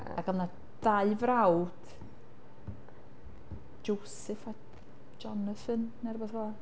Ac oedd 'na dau frawd, Joseph a Jonathan, neu rwbath fel yna.